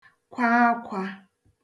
kwa akwa